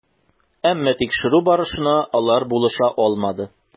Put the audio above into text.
Әмма тикшерү барышына алар булыша алмады.